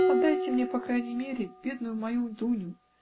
отдайте мне по крайней мере бедную мою Дуню.